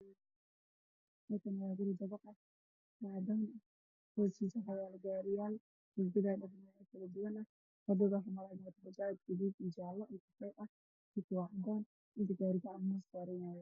Halkaan waxaa ka muuqdo dabaq cadaan ah waxaana hoostiisa wax ku gadanaayo niman gaari gacan ku wado dhar qaar way fadhiyaan qaarna way taagan yihiin